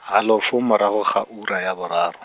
halofo morago ga ura ya boraro.